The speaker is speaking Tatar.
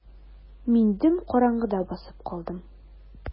Мин дөм караңгыда басып калдым.